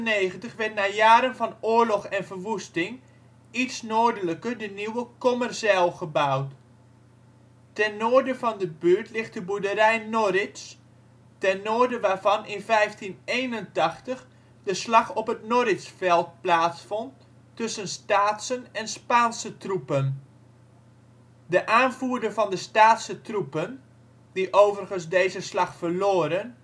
1598 werd na jaren van oorlog en verwoesting iets noordelijker de nieuwe Kommerzijl gebouwd. Ten noorden van de buurt ligt de boerderij Norrits, ten noorden waarvan in 1581 de Slag op het Norritsveld plaatsvond tussen Staatsen en Spaanse troepen. De aanvoerder van de Staatse troepen, die overigens deze slag verloren